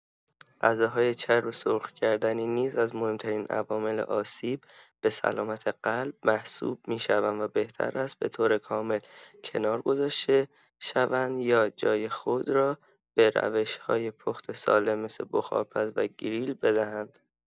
غذاهای چرب سرخ‌کردنی نیز از مهم‌ترین عوامل آسیب به سلامت قلب محسوب می‌شوند و بهتر است به‌طور کامل کنار گذاشته شوند یا جای خود را به روش‌های پخت سالم مثل بخارپز و گریل بدهند.